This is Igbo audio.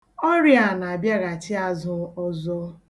Ọrịa a na-abịaghachi azụ ozọ.